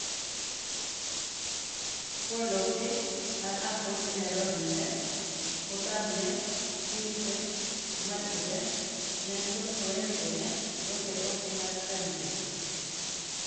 Foreløpig er Apple enerådende på tavle-pc-markedet, men konkurrentene dukker opp i nær fremtid.